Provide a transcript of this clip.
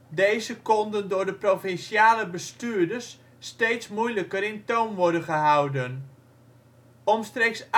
Deze konden door de provinciale bestuurders steeds moeilijker in toom worden gehouden. Omstreeks